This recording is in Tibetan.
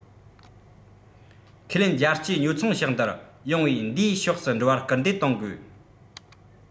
ཁས ལེན རྒྱལ སྤྱིའི ཉོ ཚོང ཕྱོགས འདིར ཡོང བའི འདིའི ཕྱོགས སུ འགྲོ བར སྐུལ འདེད གཏོང དགོས